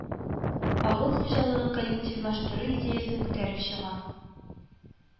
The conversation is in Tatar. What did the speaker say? Авыл хуҗалыгын коллективлаштыру идеясен күтәреп чыга